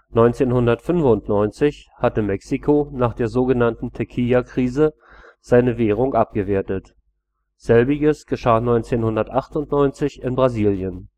1995 hatte Mexiko nach der so genannten Tequila-Krise seine Währung abgewertet, selbiges geschah 1998 in Brasilien